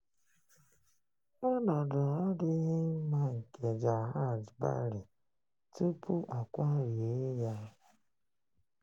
Ọnọdụ adịghị mma nke "Jahaj Bari" tupu a kwarie ya.